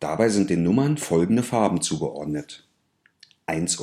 Dabei sind den Nummern folgende Farben zugeordnet: 1/9